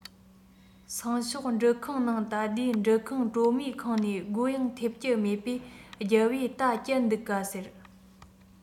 སང ཞོགས འབྲུ ཁང ནང ལྟ དུས འབྲུ ཁང གྲོ མས ཁེངས ནས སྒོ ཡང འཐེབ ཀྱི མེད པས རྒྱལ པོས ད བསྐྱལ འདུག ག ཟེར